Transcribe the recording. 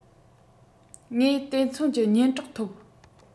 ངས དེ མཚུངས ཀྱི སྙན གྲགས ཐོབ